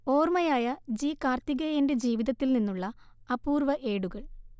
ഓർമയായ G കാർത്തികേയന്റെ ജീവിതത്തിൽ നിന്നുള്ള അപൂർവ്വഏടുകൾ